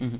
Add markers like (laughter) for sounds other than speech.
(hesitation) (hesitation)